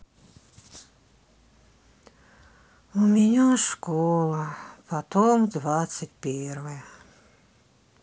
у меня школа потом двадцать первая